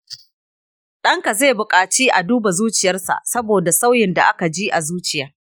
danka zai buƙaci a duba zuciyarsa saboda sautin da aka ji a zuciya.